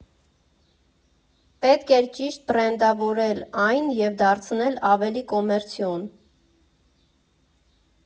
Պետք էր ճիշտ բրենդավորել այն և դարձնել ավելի կոմերցիոն։